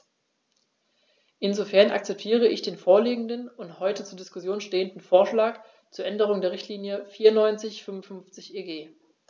Insofern akzeptiere ich den vorliegenden und heute zur Diskussion stehenden Vorschlag zur Änderung der Richtlinie 94/55/EG.